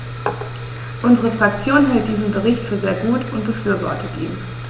Unsere Fraktion hält diesen Bericht für sehr gut und befürwortet ihn.